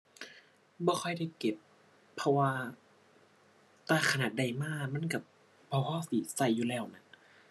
บ่ค่อยได้เก็บ เพราะว่าแต่ขนาดได้มามันก็บ่พอสิก็อยู่แล้วแหม